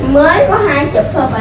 mới có nhiêu mà bà đau rồi hả